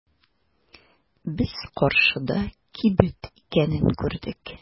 Без каршыда кибет икәнен күрдек.